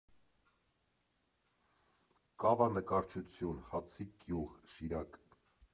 Կավանկարչություն, Հացիկ գյուղ, Շիրակ։